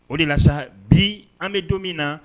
O de la sa bi an bɛ don min na